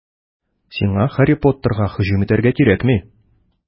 Сиңа Һарри Поттерга һөҗүм итәргә кирәкми.